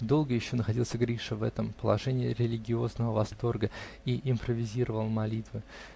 Долго еще находился Гриша в этом положении религиозного восторга и импровизировал молитвы.